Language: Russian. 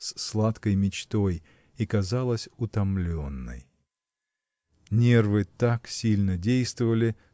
с сладкой мечтой и казалась утомленной. Нервы так сильно действовали